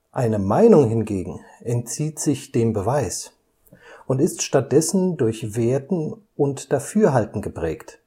Eine Meinung hingegen entzieht sich dem Beweis und ist stattdessen durch Werten und Dafürhalten geprägt